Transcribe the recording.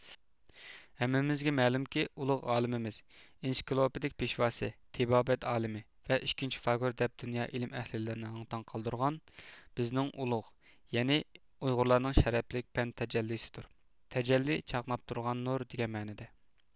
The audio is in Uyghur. ھەممىمىزگە مەلۇمكى ئۇلۇغ ئالىمىز ئىنسىكلوپدىك پېشۋاسى تىبابەت ئالىمى ۋە ئىككىنچى فاگۇر دەپ دۇنيا ئىلىم ئەھلىلىرىنى ھاڭ تاڭ قالدۇرغان بىزنىڭ ئۇلۇغ يەنى ئۇيغۇرلارنىڭ شەرەپلىك پەن تەجەللىسىدۇر تەجەللى چاقناپ تۇرغان نۇر دىگەن مەنىدە